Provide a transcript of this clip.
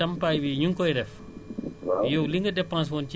waaw bu fekkee ne tamit ndàmpaay li ñu ngi koy def